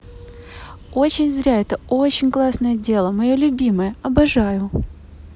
очень зря это очень классное дело мое любимое обожаю